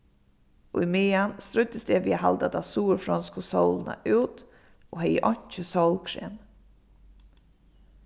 ímeðan stríddist eg við at halda ta suðurfronsku sólina út og hevði einki sólkrem